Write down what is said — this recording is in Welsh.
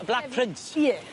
Y Black Prince? Ie.